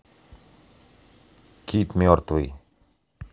кит мертвый